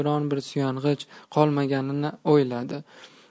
bironbir suyanchig' qolmaganini o'yladi